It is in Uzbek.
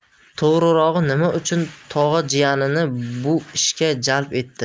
to'g'rirog'i nima uchun tog'a jiyanini bu ishga jalb etdi